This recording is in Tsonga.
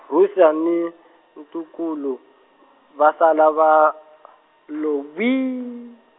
Russia ni, ntukulu , va sala va , lo whii.